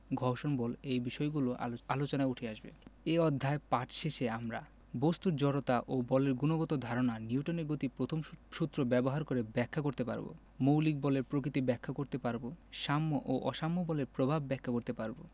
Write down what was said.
ঘর্ষণ বল এই বিষয়গুলোও আলোচনায় উঠে আসবে এ অধ্যায় পাঠ শেষে আমরা বস্তুর জড়তা ও বলের গুণগত ধারণা নিউটনের গতির প্রথম সূত্র ব্যবহার করে ব্যাখ্যা করতে পারব মৌলিক বলের প্রকৃতি ব্যাখ্যা করতে পারব সাম্য ও অসাম্য বলের প্রভাব ব্যাখ্যা করতে পারব